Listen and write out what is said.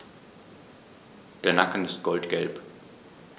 Der Nacken ist goldgelb.